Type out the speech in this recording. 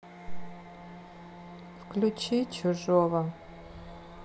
включи чужого